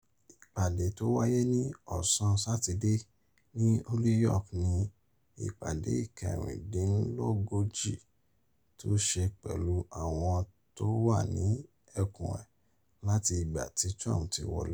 Ìpàdé tó wáyé ní ọ̀sán Sátidé ní Holyoke ni ìpàdé ìkẹ́rindínlógójì (36) tó ṣe pẹ̀lú àwọn t’ọ́n wà ní ẹkùn ẹ̀ láti ìgbà tí Trump ti wọlé.